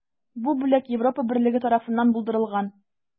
Бу бүләк Европа берлеге тарафыннан булдырылган.